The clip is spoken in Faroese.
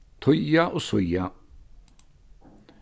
týða og síða